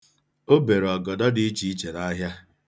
O bere ogodo dị iche iche n'ahịa.